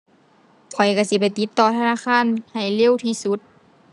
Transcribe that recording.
ข้อยก็สิไปติดต่อธนาคารให้เร็วที่สุด